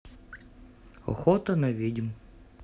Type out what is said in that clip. охота на ведьм